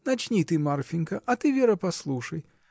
Начни ты, Марфинька, а ты, Вера, послушай!